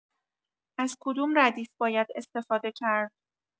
از کدوم ردیف باید استفاده کرد؟